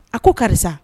A ko karisa